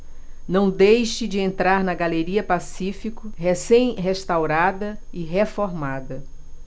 não deixe de entrar na galeria pacífico recém restaurada e reformada